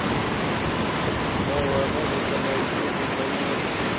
новая музыка на ютубе знаменитости